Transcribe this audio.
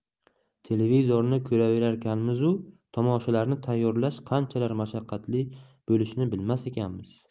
televizorni ko'raverarkanmizu tomoshalarni tayyorlash qanchalar mashaqqatli bo'lishini bilmas ekanmiz